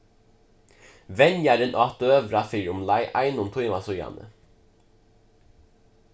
venjarin át døgurða fyri umleið einum tíma síðani